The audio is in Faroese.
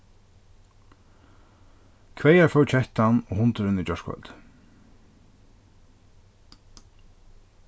hvagar fóru kettan og hundurin í gjárkvøldið